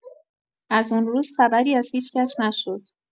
ازون روز خبری از هیچکس نشد.